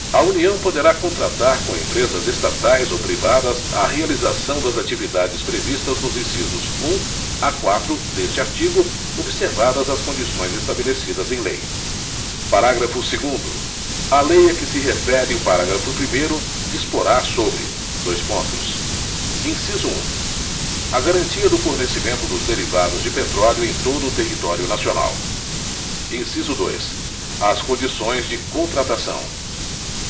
a união poderá contratar com empresas estatais ou privadas a realização das atividades previstas nos incisos um a quatro deste artigo observadas as condições estabelecidas em lei parágrafo segundo a lei a que se refere o parágrafo primeiro disporá sobre dois pontos inciso um a garantia do fornecimento dos derivados de petróleo em todo o território nacional inciso dois as condições de contratação